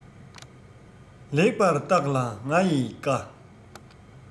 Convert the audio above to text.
ལེགས པར བརྟག ལ ང ཡི བཀའ